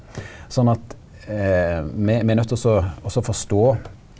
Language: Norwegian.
sånn at me me er nøydt til også også forstå.